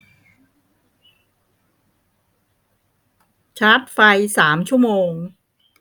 ชาร์จไฟสามชั่วโมง